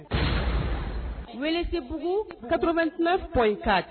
Wulibugu kaburutuma fɔ in ka